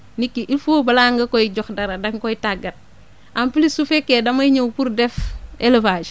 nit ki il faut blaa nga koy jox dara da nga koy tàggat en plus su fekkee damay ñëw pour def élevage